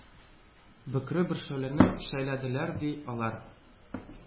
Бөкре бер шәүләне шәйләделәр, ди, алар.